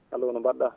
aloo no mba??aa